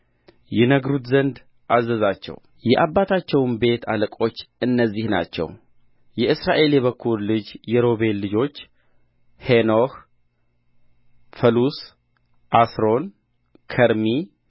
ይነግሩት ዘንድ አዘዛቸው የአባታቸውም ቤት አለቆች እነዚህ ናቸው የእስራኤል የበኵር ልጅ የሮቤል ልጆች ሄኖኅ ፈሉስ አስሮን ከርሚ